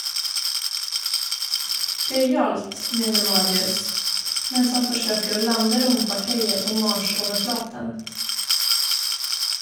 - Gøyalt, mener Marius, mens han forsøker å lande romfartøyet på Mars-overflaten.